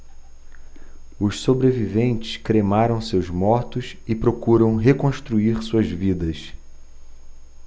os sobreviventes cremaram seus mortos e procuram reconstruir suas vidas